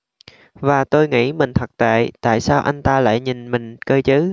và tôi nghĩ mình thật tệ tại sao anh ta lại nhìn mình cơ chứ